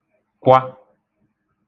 kwa